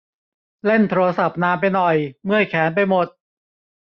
เล่นโทรศัพท์นานไปหน่อยเมื่อยแขนไปหมด